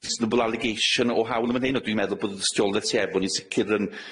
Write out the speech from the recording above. dism'able allegation o hawl yn fan hyn? On' dwi'n meddwl bod y dystioleth sy' efo ni'n sicir yn